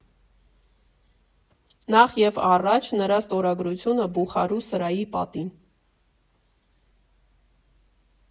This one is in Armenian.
Նախ և առաջ՝ նրա ստորագրությունը Բուխարու սրահի պատին։